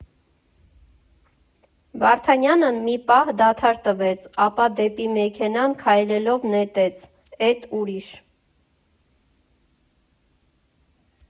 Վարդանյանը մի պահ դադար տվեց, ապա դեպի մեքենան քայլելով նետեց,֊ Էտ ուրիշ…